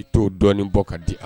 I to dɔɔnin bɔ ka di a